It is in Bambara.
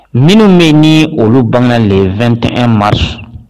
Minnu bɛ ni olu bagan le2tɛn mari